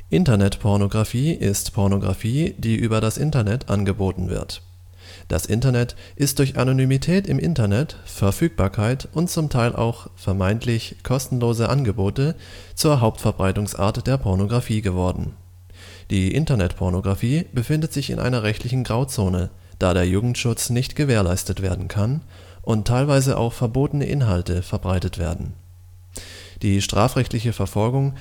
Internet-Pornografie ist Pornografie, die über das Internet angeboten wird. Das Internet ist durch Anonymität im Internet, Verfügbarkeit und zum Teil auch (vermeintlich) kostenlose Angebote zur Hauptverbreitungsart der Pornografie geworden. Die Internet-Pornografie befindet sich in einer rechtlichen Grauzone, da der Jugendschutz nicht gewährleistet werden kann, und teilweise auch verbotene Inhalte verbreitet werden. Die strafrechtliche Verfolgung